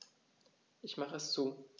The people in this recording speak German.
Ich mache es zu.